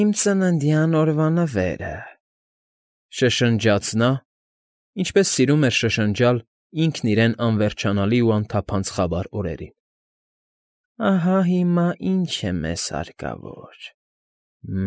Իմ ծննդյան օրվա նվերը,֊ շշնջաց նա, ինչպես սիրում էր շշնջալ ինքն իրեն անվերջանալի ու անթափանց խավար օրերին։֊ Ահա հիմա ինչ է մեզ֊զ֊զ հարկավոր,